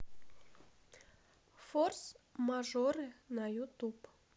форс мажоры на ютуб